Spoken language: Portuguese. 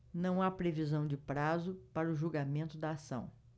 não há previsão de prazo para o julgamento da ação